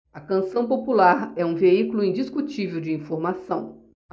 a canção popular é um veículo indiscutível de informação